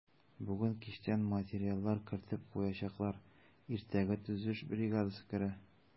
Бүген кичтән материаллар кертеп куячаклар, иртәгә төзелеш бригадасы керә.